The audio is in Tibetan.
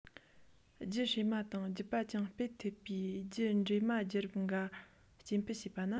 རྒྱུད བསྲེས མ དང རྒྱུད པ ཅུང སྤེལ ཐུབ པའི རྒྱུད འདྲེས མ རྒྱུད རབས འགར སྐྱེ འཕེལ བྱས པ ན